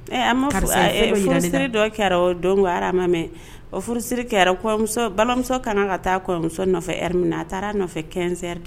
Ee a ma furusiri dɔ kɛra o don ha mɛ furusiri kɛramuso balimamuso kana ka taa kɔmuso nɔfɛri minɛ na a taara nɔfɛ kɛnɛnsɛri de